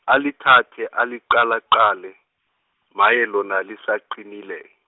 ali thathe aliqalaqale, maye lona lisaqinile.